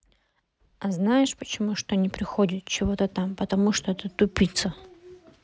а знаешь почему что не приходит чего то там потому что это тупица